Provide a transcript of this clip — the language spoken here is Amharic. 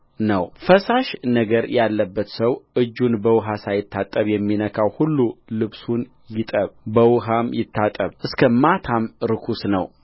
ነውፈሳሽ ነገር ያለበት ሰው እጁን በውኃ ሳይታጠብ የሚነካው ሁሉ ልብሱን ይጠብ በውኃም ይታጠብ እስከ ማታም ርኩስ ነው